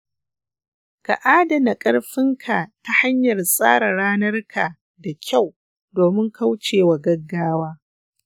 ka adana ƙarfinka ta hanyar tsara ranarka da kyau domin kauce wa gaggawa.